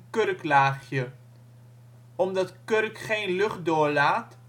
kurklaagje. Omdat kurk geen lucht doorlaat